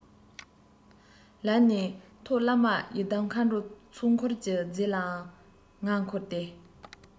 ལར ནས མཐོ བླ མ ཡི དམ མཁའ འགྲོའི ཚོགས འཁོར གྱི རྫས ལའང ང འཁོར སྟེ